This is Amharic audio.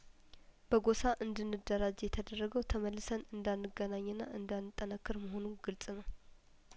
በጐሳ እንድን ደራጅ የተደረገው ተመልሰን እንዳን ገናኝና እንዳን ጠናከር መሆኑ ግልጽ ነው